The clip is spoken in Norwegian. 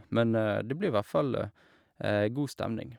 Men det blir hvert fall god stemning.